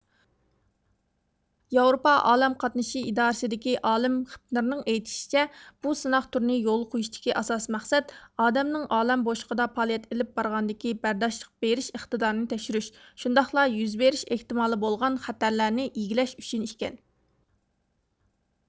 ياۋروپا ئالەم قاتنىشى ئىدارىسىدىكى ئالىم خېپنېرنىڭ ئېيتىشىچە بۇ سىناق تۈرىنى يولغا قويۇشتىكى ئاساسىي مەقسەت ئادەمنىڭ ئالەم بوشلۇقىدا پائالىيەت ئېلىپ بارغاندىكى بەرداشلىق بېرىش ئىقتىدارىنى تەكشۈرۈش شۇنداقلا يۈز بېرىش ئېھتىمالى بولغان خەتەرلەرنى ئىگىلەش ئۈچۈن ئىكەن